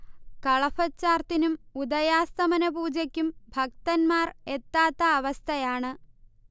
കളഭച്ചാർത്തിനും ഉദയാസ്തമന പൂജക്കും ഭക്തന്മാർ എത്താത്ത അവസ്ഥയാണ്